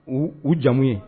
U u jamu ye